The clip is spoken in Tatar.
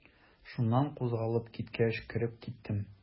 Шуннан кузгалып киткәч, кереп киттем.